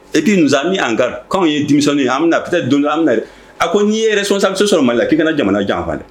Ekii musan min an ka anwanw ye denmisɛnw ye an bɛna na aptɛ don an minɛ a ko n'i yɛrɛ sɔnsa sɔrɔ ma la k'i ka jamana janfa dɛ